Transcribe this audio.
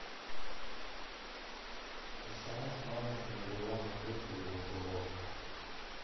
рисовать маленького леона только его голову